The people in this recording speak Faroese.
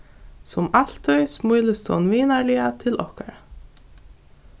sum altíð smílist hon vinarliga til okkara